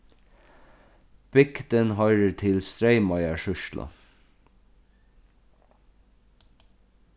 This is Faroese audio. bygdin hoyrir til streymoyar sýslu